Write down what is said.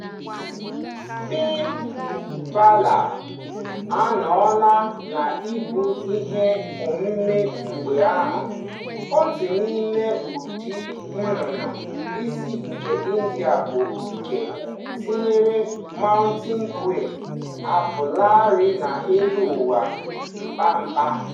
Spiny Babbler anọọla n'ịbụ ihe omimi kemgbe ahụ, otu n'ime ụdị nnụnụ ise nke India, bụ nke, tinyere Mountain Quail, apụọlarịị n'elu ụwa kpamkpam.